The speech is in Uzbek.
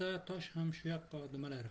ham shu yoqqa dumalar